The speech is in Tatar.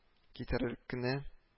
Китәрлек кенә